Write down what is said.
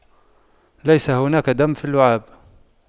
ليس هناك دم في اللعاب